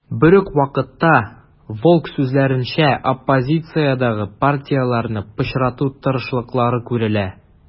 Берүк вакытта, Волк сүзләренчә, оппозициядәге партияләрне пычрату тырышлыклары күрелә.